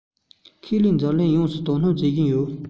ཁས ལེན འཛམ གླིང ཡོངས ཀྱིས དོ སྣང བྱེད བཞིན ཡོད